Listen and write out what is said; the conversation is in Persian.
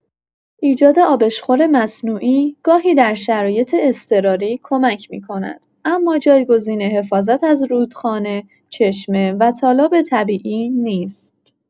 ایجاد آبشخور مصنوعی گاهی در شرایط اضطراری کمک می‌کند، اما جایگزین حفاظت از رودخانه، چشمه و تالاب طبیعی نیست.